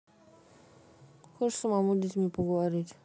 хочешь самому детьми поговорить